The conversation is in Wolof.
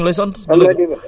asalaamaaleykum